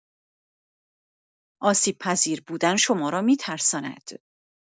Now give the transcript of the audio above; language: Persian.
آسیب‌پذیر بودن، شما را می‌ترساند.